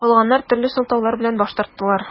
Калганнар төрле сылтаулар белән баш тарттылар.